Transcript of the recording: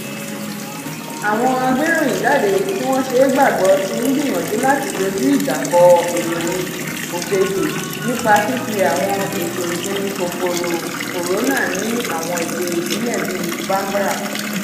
Àwọn agbéròyìnjáde tí wọ́n ṣeé gbàgbọ́ ti ń gbìyànjú láti dojú ìjà kọ ìròyìn òfegè nípa fífi àwọn ètò jin kòkòrò Kòrónà ní àwọn èdè ìbílẹ̀ bíi #bambara